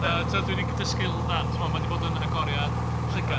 Yy tibod dw i 'di g- dysgu... a tibod mae 'di bod yn agoriad llygad.